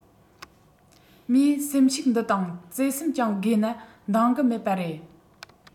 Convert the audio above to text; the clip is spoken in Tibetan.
མོས སེམས ཤུགས འདི དང བརྩེ སེམས ཀྱང དགོས ན འདང གི མེད པ རེད